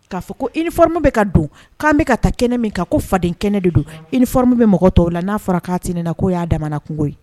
K'a fɔ kofa bɛ ka don k'an bɛka ka taa kɛnɛ min kan ko faden kɛnɛ de don i bɛ mɔgɔ tɔw la n'a fɔra'a tɛ ne na ko' y'a damana kungo ye